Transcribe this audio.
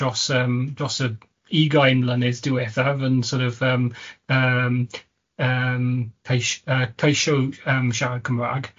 dros yym, dros y ugain mlynedd diwethaf yn sor' of yym yym c- yym ceis- yy ceisio yym siarad Cymraeg.